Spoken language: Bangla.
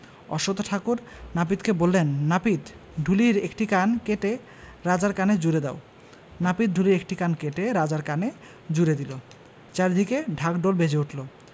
অশ্বত্থ ঠাকুর নাপিতকে বললেন নাপিত ঢুলির একটি কান কেটে রাজার কানে জুড়ে দাও নাপিত ঢুলির একটি কান কেটে রাজার কানে জুড়ে দিল চারদিকে ঢাক ঢোল বেজে উঠল